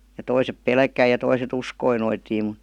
ja toiset pelkäsi ja toiset uskoi noitiin mutta